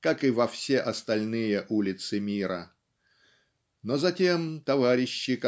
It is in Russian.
как и во все остальные улицы мира. Но затем товарищи